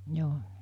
joo